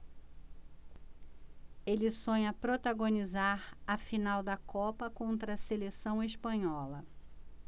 ele sonha protagonizar a final da copa contra a seleção espanhola